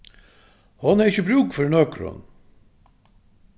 hon hevði ikki brúk fyri nøkrum